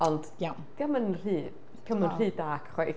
Dio'm yn rhy... diom yn rhy dark chwaith.